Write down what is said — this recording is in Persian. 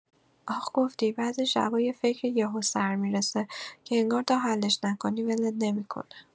آخ گفتی، بعضی شبا یه فکری یهو سر می‌رسه که انگار تا حلش نکنی، ولت نمی‌کنه.